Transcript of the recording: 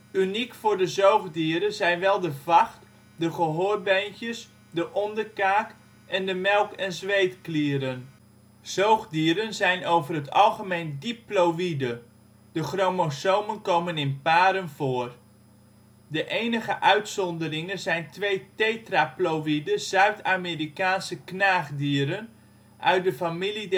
Uniek voor de zoogdieren zijn wel de vacht, de gehoorbeentjes, de onderkaak en de melk - en zweetklieren. Zoogdieren zijn over het algemeen diploïde (de chromosomen komen voor in paren). De enige uitzonderingen zijn twee tetraploïde Zuid-Amerikaanse knaagdieren uit de familie